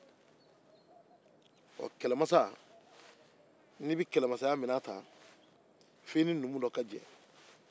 n'i bɛ kɛlɛmasaya minɛn ta f'i ni numu dɔ ka jɛ